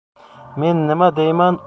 men nima deyman